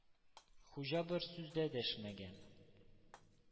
Хуҗа бер сүз дә дәшмәгән.